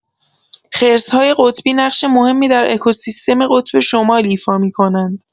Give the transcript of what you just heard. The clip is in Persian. خرس‌های قطبی نقش مهمی در اکوسیستم قطب شمال ایفا می‌کنند.